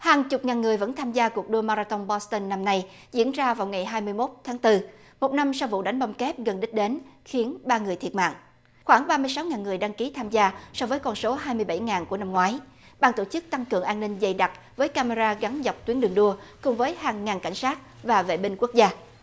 hàng chục ngàn người vẫn tham gia cuộc đua ma ra tông bót tưn năm này diễn ra vào ngày hai mươi mốt tháng tư một năm sau vụ đánh bom kép gần đích đến khiến ba người thiệt mạng khoảng ba mươi sáu ngàn người đăng ký tham gia so với con số hai mươi bảy ngàn của năm ngoái ban tổ chức tăng cường an ninh dày đặc với ca me ra gắn dọc tuyến đường đua cùng với hàng ngàn cảnh sát và vệ binh quốc gia